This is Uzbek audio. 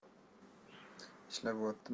ishla bo'vottimi